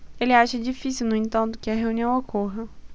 ele acha difícil no entanto que a reunião ocorra